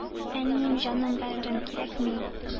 Әнием, җаным, бәгърем... кирәкми...